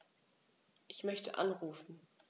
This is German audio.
Ich möchte anrufen.